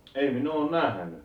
ei minä ole nähnyt